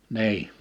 niin